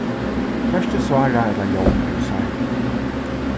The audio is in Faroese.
hvørki sára ella jón eru særd